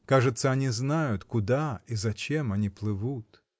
кажется, они знают, куда и зачем они плывут.